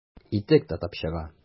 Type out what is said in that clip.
Итек тотып чыга.